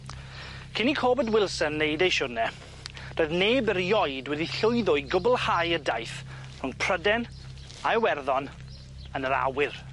Cyn i Corbet Wilson neud ei siwrne doedd neb erioed wedi llwyddo i gwblhau y daith rhwng Pryden a Iwerddon yn yr awyr.